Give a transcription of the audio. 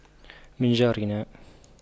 من جارنا